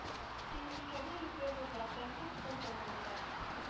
Сөембикәнең йөзе бурлаттай кып-кызыл булды